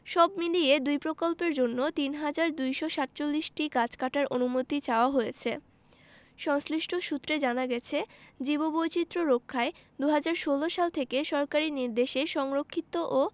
সবমিলিয়ে দুই প্রকল্পের জন্য ৩হাজার ২৪৭টি গাছ কাটার অনুমতি চাওয়া হয়েছে সংশ্লিষ্ট সূত্রে জানা গেছে জীববৈচিত্র্য রক্ষায় ২০১৬ সাল থেকে সরকারি নির্দেশে সংরক্ষিত ও